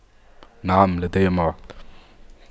نعم لدي موعد